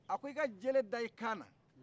a ko i ka jele da i kan na